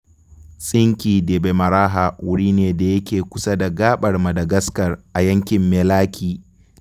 Tsingy de Bemaraha wuri ne da yake kusa da gaɓar Madagascar a yankin Melaky.